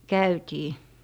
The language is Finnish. käytiin